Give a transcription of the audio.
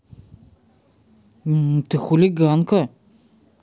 ты хулиганка